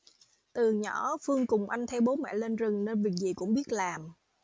từ nhỏ phương cùng anh theo bố mẹ lên rừng nên việc gì cũng biết làm